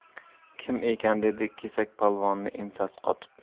kim ekan dedi kesakpolvon ensasi qotib